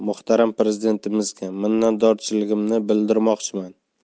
muhtaram prezidentimizga minnatdorligimni bildirmoqchiman